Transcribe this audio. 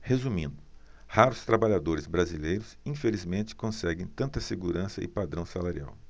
resumindo raros trabalhadores brasileiros infelizmente conseguem tanta segurança e padrão salarial